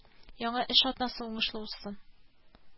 Яңа эш атнасы уңышлы узсын